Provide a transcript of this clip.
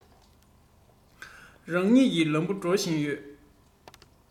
རང ཉིད ཀྱི ལམ དུ འགྲོ བཞིན ཡོད